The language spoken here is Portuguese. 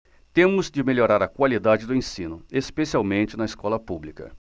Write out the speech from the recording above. temos de melhorar a qualidade do ensino especialmente na escola pública